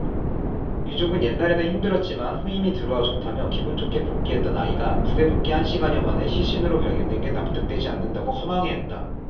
유족은 옛날에는 힘들었지만 후임이 들어와 좋다며 기분 좋게 복귀했던 아이가 부대 복귀 한 시간여 만에 시신으로 발견된 게 납득되지 않는다고 허망해 했다